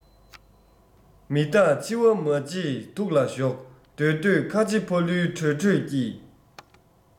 མི རྟག འཆི བ མ བརྗེད ཐུགས ལ ཞོག འདོད འདོད ཁ ཆེ ཕ ལུའི གྲོས གྲོས ཀྱི